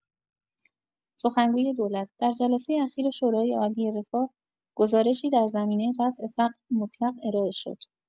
سخنگوی دولت: در جلسه اخیر شورای‌عالی رفاه، گزارشی در زمینه رفع فقر مطلق ارائه شد.